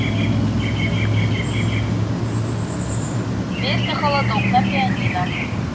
песня холодок на пианино